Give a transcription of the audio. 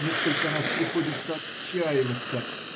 Несколько раз приходится отчаиваться